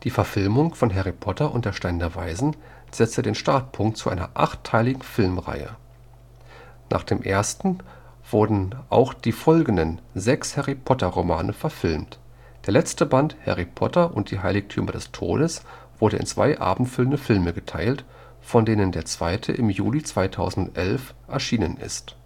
Verfilmung von Harry Potter und der Stein der Weisen setzte den Startpunkt zu einer achtteiligen Filmreihe. Nach dem ersten wurden auch die folgenden sechs Harry-Potter-Romane verfilmt; der letzte Band, Harry Potter und die Heiligtümer des Todes, wurde in zwei abendfüllende Filme geteilt, von denen der zweite im Juli 2011 erschienen ist